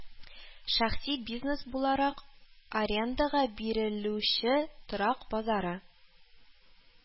Шәхси бизнес буларак, арендага бирелүче торак базары